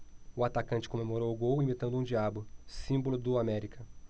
o atacante comemorou o gol imitando um diabo símbolo do américa